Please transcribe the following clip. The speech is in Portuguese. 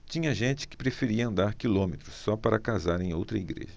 tinha gente que preferia andar quilômetros só para casar em outra igreja